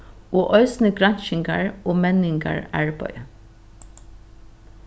og eisini granskingar og menningararbeiði